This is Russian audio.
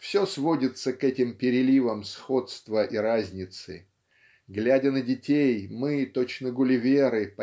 Все сводится к этим переливам сходства и разницы глядя на детей мы точно Гулливеры